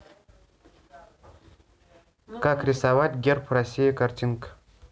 как рисовать герб россии картинка